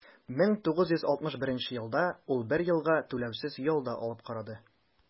1961 елда ул бер елга түләүсез ял да алып карады.